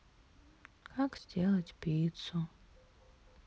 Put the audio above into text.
как сделать пиццу